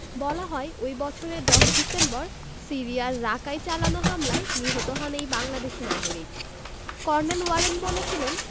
বলা হয় ওই বছরের ১০ ডিসেম্বর সিরিয়ার রাকায় চালানো হামলায় নিহত হন এই বাংলাদেশি নাগরিক কর্নেল ওয়ারেন বলেছিলেন